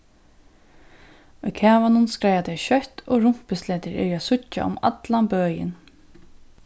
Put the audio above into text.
í kavanum skreiða tey skjótt og rumpusletur eru at síggja um allan bøin